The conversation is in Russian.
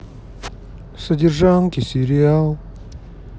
содержанки сериал